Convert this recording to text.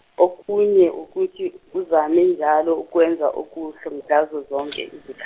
okunye ukuthi uzame njalo ukwenza okuhle ngazo zonke izi-.